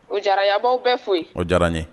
O diyarabaa bɛ foyi o diyara n ye